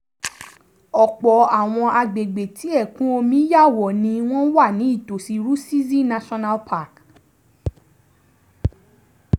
Ọ̀pọ̀ àwọn agbègbè tí ẹ̀kún omi ya wọ̀ ni wọ́n wà ní ìtòsí Rusizi National Park.